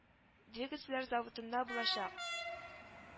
Двигательләр заводында булачак